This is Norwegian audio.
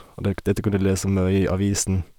Og det k dette kunne de lese om nede i avisen.